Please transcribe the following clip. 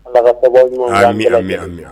Kaba mi lammi anmi